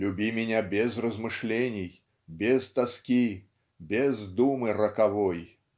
"Люби меня без размышлений, без тоски, без думы роковой".